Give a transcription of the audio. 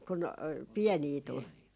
kun pieniä tuli